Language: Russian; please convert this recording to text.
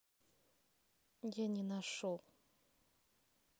я не нашел